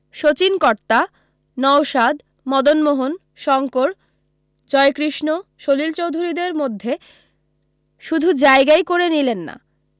শচীনকর্তা নউশাদ মদনমোহন শঙ্কর জয়কিষ্ণ সলিল চোধুরীদের মধ্যে শুধু জায়গাই করে নিলেন না